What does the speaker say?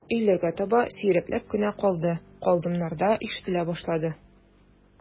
Өйләгә таба сирәкләп кенә «калды», «калдым»нар да ишетелә башлады.